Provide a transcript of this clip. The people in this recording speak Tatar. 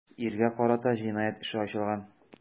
Иргә карата җинаять эше ачылган.